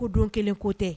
Ko don kelen ko tɛ